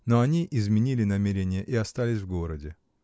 Но они изменили намерение и остались в городе.